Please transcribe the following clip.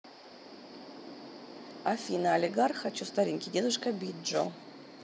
афина олигарх хочу старенький дедушка бить джо